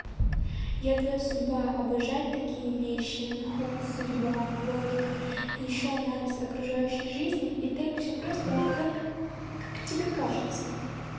я твоя судьба обожать такие вещи мху судьба логика и еще анализ окружающей жизни и так все просто как как тебе кажется